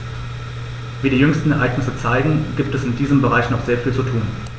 Wie die jüngsten Ereignisse zeigen, gibt es in diesem Bereich noch sehr viel zu tun.